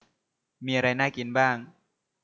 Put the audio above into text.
มีอะไรน่ากินบ้าง